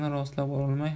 rostlab ololmay